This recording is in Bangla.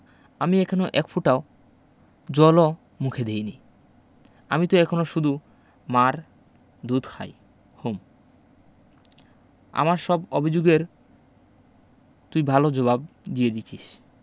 আমি এখনো এক ফোঁটাও জল ও মুখে দিইনি আমি ত এখনো শুধু মার দুধ খাই হুম আমার সব অভিযুগ এর তুই ভাল জবাব দিয়ে দিয়েছিস